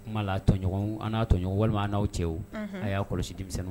O k' la tɔɲɔgɔn an n'a tɔɲɔgɔn walima n'aw cɛ a y'a kɔlɔsi denmisɛnnin